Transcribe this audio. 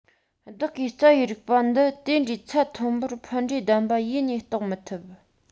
བདག གིས རྩ བའི རིགས པ འདི དེ འདྲའི ཚད མཐོན པོར ཕན འབྲས ལྡན པ ཡེ ནས རྟོགས མི ཐུབ